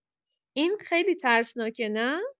این خیلی ترسناکه نه؟